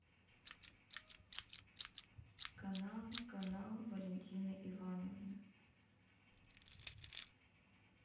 канал канал валентины ивановны